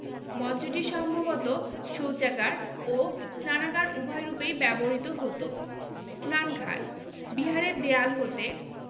মঞ্চটি সম্ভবত শৌচাগার ও স্নানাগার উভয় রূপেই ব্যবহৃত হতো স্নানঘাটঃ বিহারের দেয়াল হতে